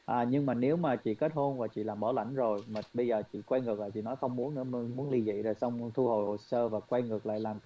à nhưng mà nếu mà chị kết hôn rồi chị làm bảo lãnh rồi mà bây giờ chị quay ngược lại chị nói không muốn nữa mà muốn muốn ly dị rồi xong thu hồi hồ sơ và quay ngược lại làm